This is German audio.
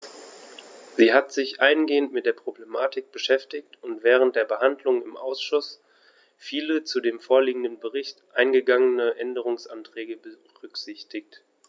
Sie hat sich eingehend mit der Problematik beschäftigt und während der Behandlung im Ausschuss viele zu dem vorliegenden Bericht eingegangene Änderungsanträge berücksichtigt.